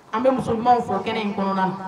An bɛ musomanumaw fɔ kɛnɛ in kɔnɔna na